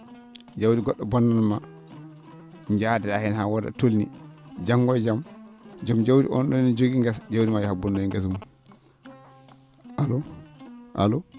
jawdi go??o bonnanma jaada heen haa wooda ?o tolni janngo e jam jom jawdi on ?on ene jogii ngesa jawdi ma yaha bonnoya ngesa mum alo alo